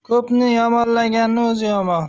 ko'pni yomonlaganning o'zi yomon